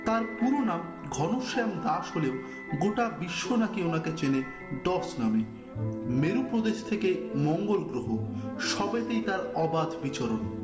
তার পুরো নাম ঘনশ্যাম দাস হলেও গোটা বিশ্ব নাকি ওনাকে চিনে দশ নামে মেরু প্রদেশ থেকে মঙ্গল গ্রহ এতেই তার অবাধ বিচরণ